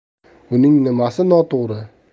buning nimasi noto'g'ri